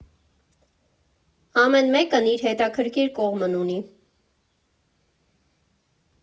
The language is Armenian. Ամեն մեկն իր հետաքրքիր կողմն ունի։